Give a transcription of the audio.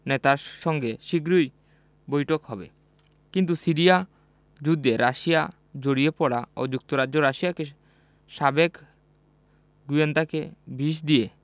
নেতার সঙ্গে শিগগিরই বৈঠক হবে কিন্তু সিরিয়া যুদ্ধে রাশিয়ার জড়িয়ে পড়া ও যুক্তরাজ্যে রাশিয়াকে সাবেক গোয়েন্দাকে বিষ দিয়ে